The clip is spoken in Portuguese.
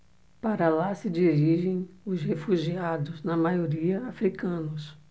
para lá se dirigem os refugiados na maioria hútus